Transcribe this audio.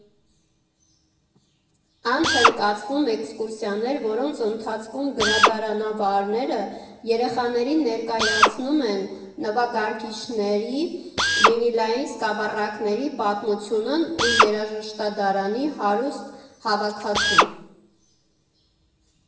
Անց են կացվում էքսկուրսիաներ, որոնց ընթացքում գրադարանավարները երեխաներին ներկայացնում են նվագարկիչների, վինիլային սկավառակների պատմությունն ու երաժշտադարանի հարուստ հավաքածուն։